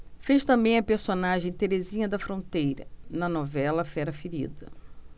fez também a personagem terezinha da fronteira na novela fera ferida